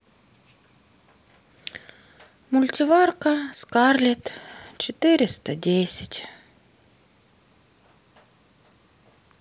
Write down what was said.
мультиварка скарлетт четыреста десять